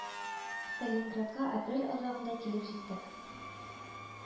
Сталинградка апрель азагында килеп җиттек